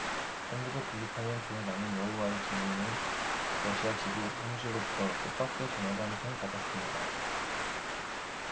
천 구백 구십 팔 년 초에 나는 여호와의 증인의 러시아 지부 사무실로부터 뜻밖의 전화를 한 통 받았습니다